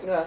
waaw